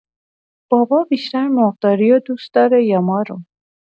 بابا بیشتر مرغداری رو دوست داره یا ما رو؟